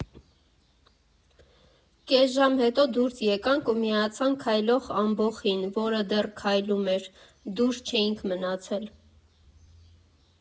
Կես ժամ հետո դուրս եկանք, ու միացանք քայլող ամբոխին, որը դեռ քայլում էր՝ դուրս չէինք մնացել։